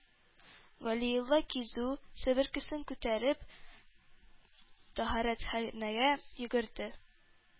Галиулла кизү, себеркесен күтәреп, тәһарәтханәгә йөгерде.